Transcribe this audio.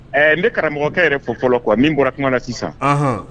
N karamɔgɔkɛ yɛrɛ fɔ fɔlɔ kuwa min bɔra kuma na sisan